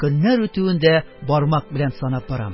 Көннәр үтүен дә бармак белән санап барам